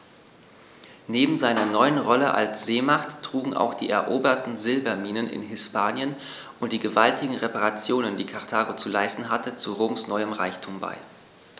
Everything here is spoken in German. Neben seiner neuen Rolle als Seemacht trugen auch die eroberten Silberminen in Hispanien und die gewaltigen Reparationen, die Karthago zu leisten hatte, zu Roms neuem Reichtum bei.